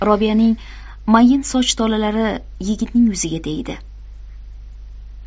robiyaning mayin soch tolalari yigitning yuziga tegdi